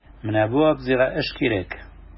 Менә бу абзыйга эш кирәк...